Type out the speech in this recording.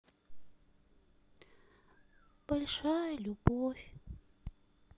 большая любовь